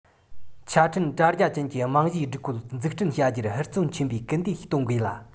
ཆ འཕྲིན དྲ རྒྱ ཅན གྱི རྨང གཞིའི སྒྲིག བཀོད འཛུགས སྐྲུན བྱ རྒྱུར ཧུར བརྩོན ཆེན པོས སྐུལ འདེད གཏོང དགོས ལ